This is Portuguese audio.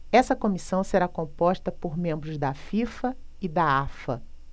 essa comissão será composta por membros da fifa e da afa